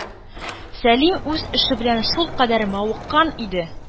Сәлим үз эше белән шулкадәр мавыккан иде,